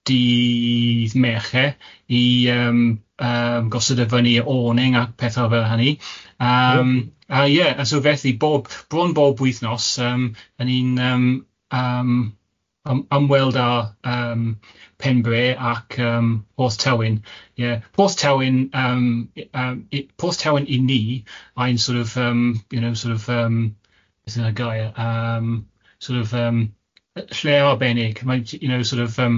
dydd Mercher i yym yym gosod e fyny i'r awning a pethau fel hynny yym a ie so felly bob, bron bob wythnos yym ry'n ni'n yym yym yym ymweld â yym Penbrae ac yym Porth Tewin, ie Porth Tewin yym yy yy Porth Tewin i ni, mae'n sort of yym you know sort of yym beth y'n y gair yym sort of yym lle arbennig mae'n you know sort of yym